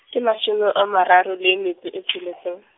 ke mashome a mararo, le metso e tsheletseng.